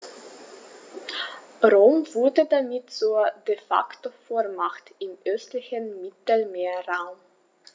Rom wurde damit zur ‚De-Facto-Vormacht‘ im östlichen Mittelmeerraum.